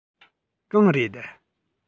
གང རེད